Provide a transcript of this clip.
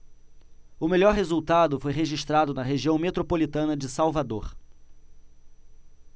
o melhor resultado foi registrado na região metropolitana de salvador